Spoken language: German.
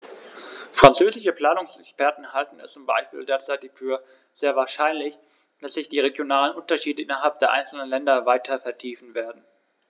Französische Planungsexperten halten es zum Beispiel derzeit für sehr wahrscheinlich, dass sich die regionalen Unterschiede innerhalb der einzelnen Länder weiter vertiefen werden.